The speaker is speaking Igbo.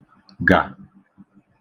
gà